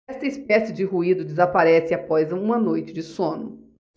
esta espécie de ruído desaparece após uma noite de sono